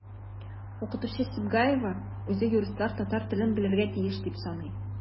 Укытучы Сибгаева үзе юристлар татар телен белергә тиеш дип саный.